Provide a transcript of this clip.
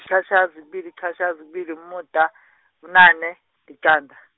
yiqatjhazi kubili, yiqatjhazi, kubili, yiqatjhazi, kubili, umuda , bunane, liqanda.